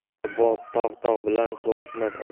tog' tog' bilan qovushmas